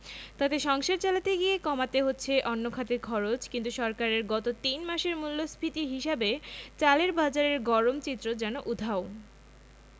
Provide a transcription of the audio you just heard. তাতে সংসার চালাতে গিয়ে কমাতে হচ্ছে অন্য খাতের খরচ কিন্তু সরকারের গত তিন মাসের মূল্যস্ফীতির হিসাবে চালের বাজারের গরম চিত্র যেন উধাও